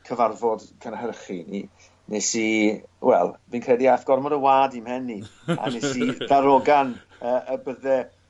cyfarfod cynhyrchu ni nes i wel fi'n credu ath gormod o wa'd i'm mhen i. A nes i darogan yy y bydde